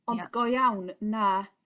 Ond go iawn na.